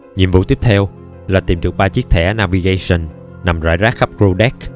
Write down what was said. nhiệm vụ tiếp theo là tìm được ba chiếc thẻ navigation nằm rải rác khắp crew deck